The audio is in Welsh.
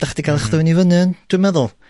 'dach di g'l 'ych ddwyn i fyny yn, dwi'n meddwl.